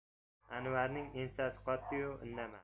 anvarning ensasi qotdi yu indamadi